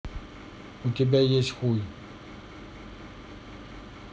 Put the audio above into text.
у тебя есть хуй